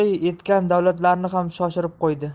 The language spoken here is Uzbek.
etgan davlatlarni ham shoshirib qo'ydi